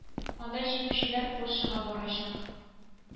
Таһир андый түгел иде.